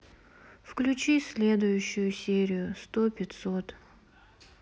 включи следующую серию сто пятьсот